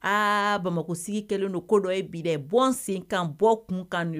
Aa Bamakɔ sigi kɛlen don ko dɔ ye bi dɛ, bɔ n sen kan, bɔ n kun kan.